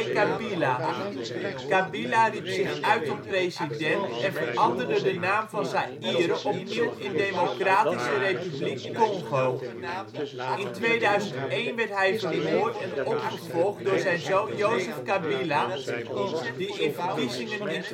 Kabila. Kabila riep zich uit tot president en veranderde de naam van Zaïre opnieuw in Democratische Republiek Congo. In 2001 werd hij vermoord en opgevolgd door zijn zoon Joseph Kabila, die in verkiezingen in